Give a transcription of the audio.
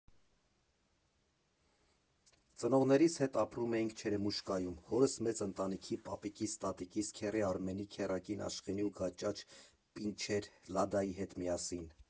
Ծնողներիս հետ ապրում էինք Չերոմուշկայում՝ հորս մեծ ընտանիքի, պապիկիս, տատիկիս, քեռի Արմենի, քեռակին Աշխենի ու գաճաճ պինչեր Լադայի հետ միասին։